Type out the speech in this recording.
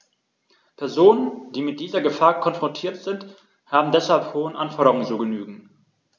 Personen, die mit dieser Gefahr konfrontiert sind, haben deshalb hohen Anforderungen zu genügen.